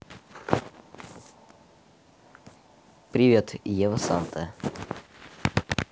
привет ева санта